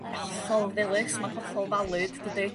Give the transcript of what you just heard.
ma'n hollol ddilys ma'n hollol valid dydi?